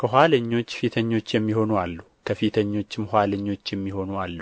ከኋለኞች ፊተኞች የሚሆኑ አሉ ከፊተኞችም ኋለኞች የሚሆኑ አሉ